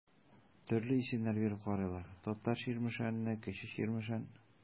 Төрле исемнәр биреп карыйлар: Татар Чирмешәне, Кече Чирмешән.